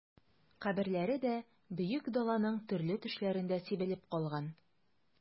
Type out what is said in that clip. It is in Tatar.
Каберләре дә Бөек Даланың төрле төшләрендә сибелеп калган...